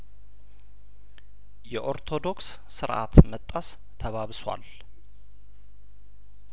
የኦርቶዶክስ ስርአት መጣስ ተባብሷል